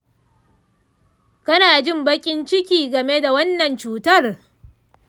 kana jin baƙin ciki game da wannan cutar?